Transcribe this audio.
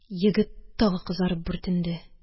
Егет тагы кызарып бүртенде.